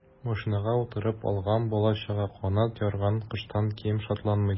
Машинага утырып алган бала-чага канат ярган коштан ким шатланмый.